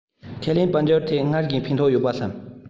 ཁས ལེན དཔལ འབྱོར ཐད ངས སྔར བཞིན ཕན ཐོག ཡོད པ བསམ